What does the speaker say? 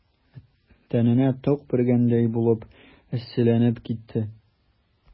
Тәненә ток бәргәндәй булып эсселәнеп китте.